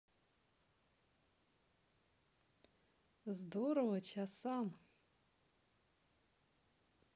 здорово часам